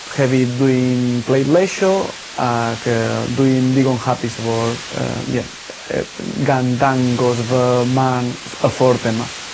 hefyd dwi'n pleidleisio ac yy dwi'n digon hapus efo'r yy ie. Yy gan dangos fy marn ff- y ffordd yma.